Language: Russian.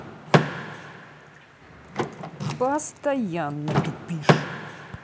постоянно тупишь